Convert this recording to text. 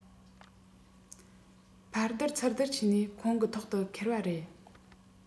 ཕར སྡུར ཚུར སྡུར བྱས ནས ཁོང གི ཐོག ཏུ འཁེལ བ རེད